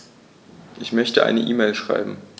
Ich möchte eine E-Mail schreiben.